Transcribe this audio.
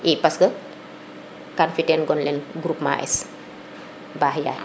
i parce que kan fi teen gonole groupement es baax yaay